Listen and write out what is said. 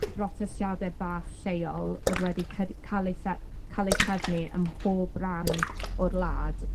brotestiade bach lleol o'dd wedi c- ca'l eu thre- ca'l eu trefnu ym mhob ran o'r wlad